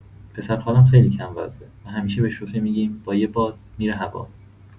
پسرخاله‌م خیلی کم‌وزنه و همیشه به‌شوخی می‌گیم با یه باد می‌ره هوا.